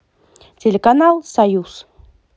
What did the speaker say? телеканал союз